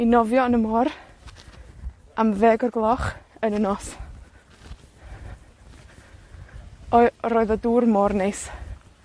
I nofio yn y môr am ddeg o'r gloch yn y nos. Oe- roedd y dŵr môr neis.